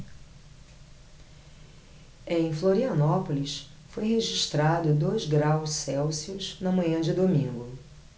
em florianópolis foi registrado dois graus celsius na manhã de domingo